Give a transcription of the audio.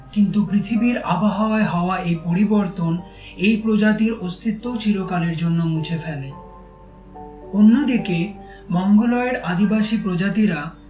কিন্তু পৃথিবীর আবহাওয়ায় হওয়া এই পরিবর্তন এই প্রজাতির অস্তিত্বও চিরকালের জন্য মুছে ফেলে অন্যদিকে মঙ্গলয়েড আদিবাসী প্রজাতিরা